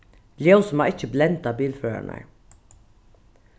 ljósið má ikki blenda bilførararnar